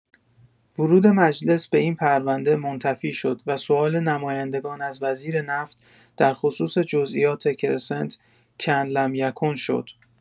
ورود مجلس به این پرونده منتفی شد و سوال نمایندگان از وزیر نفت در خصوص جزئیات کرسنت، کان‌لم‌یکن شد.